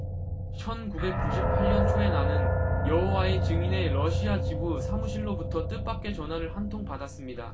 천 구백 구십 팔 년 초에 나는 여호와의 증인의 러시아 지부 사무실로부터 뜻밖의 전화를 한 통 받았습니다